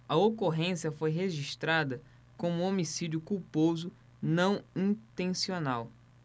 a ocorrência foi registrada como homicídio culposo não intencional